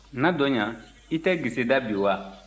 na dɔɲa i tɛ gese da bi wa